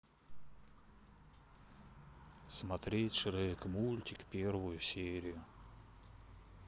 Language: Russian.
смотреть шрек мультик первую серию